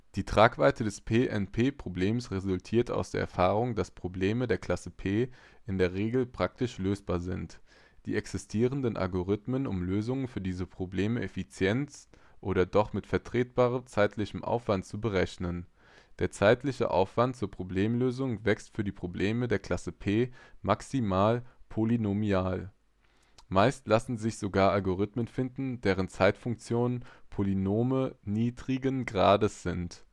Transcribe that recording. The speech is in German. Die Tragweite des P-NP-Problems resultiert aus der Erfahrung, dass die Probleme der Klasse P in der Regel praktisch lösbar sind: Es existieren Algorithmen, um Lösungen für diese Probleme effizient oder doch mit vertretbarem zeitlichen Aufwand zu berechnen. Der zeitliche Aufwand zur Problemlösung wächst für die Probleme der Klasse P maximal polynomial. Meist lassen sich sogar Algorithmen finden, deren Zeitfunktionen Polynome niedrigen Grades sind